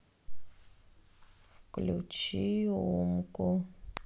включи умку